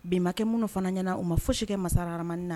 Bɛnenbakɛ minnu fana ɲɛna u ma fo sikɛ masa hadama na